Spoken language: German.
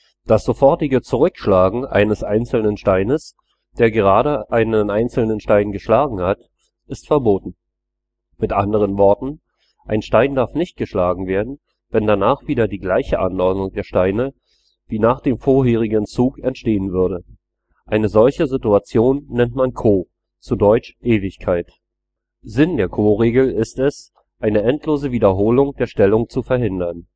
Das sofortige Zurückschlagen eines einzelnen Steines, der gerade einen einzelnen Stein geschlagen hat, ist verboten. In anderen Worten: Ein Stein darf nicht geschlagen werden, wenn danach wieder die gleiche Anordnung der Steine wie nach dem vorherigen Zug entstehen würde. Eine solche Situation nennt man Kō (コウ; sprich koh), zu deutsch Ewigkeit. Sinn der Ko-Regel ist es, eine endlose Wiederholung der Stellung zu verhindern